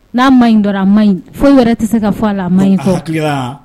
N'a ma ɲi dɔ a ma ɲi foyi wɛrɛ tɛ se ka fɔ a la ma ɲi